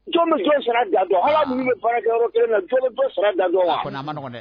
Jɔn ga ala ninnu bɛ baarakɛ kelen na jɔn sara ga a maɔgɔn dɛ